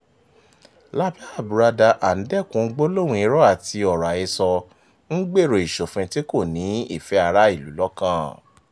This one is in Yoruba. Lábẹ́ àbùradà à ń dẹ́kun gbólóhùn irọ́ àti ọ̀rọ̀ àhesọ, ń gbèrò ìṣòfin tí kò ní ìfẹ́ ará ìlú lọ́kàn.